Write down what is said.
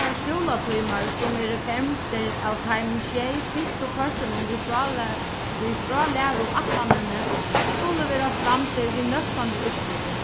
teir skúlatímar sum eru fevndir av teimum sjey fyrstu pørtunum í í frálæruætlanini skulu vera framdir við nøktandi úrsliti